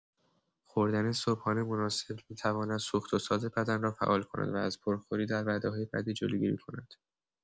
خوردن صبحانه مناسب می‌تواند سوخت‌وساز بدن را فعال کند و از پرخوری در وعده‌های بعدی جلوگیری کند.